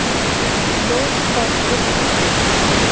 до пабг